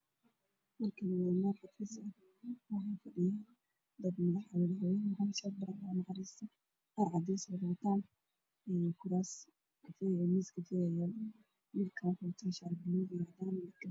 Halkaan waxaa ka muuqdo saraakiil iyo dad shacab ah